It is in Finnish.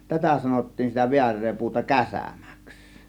tätä sanottiin sitä väärää puuta käsämäksi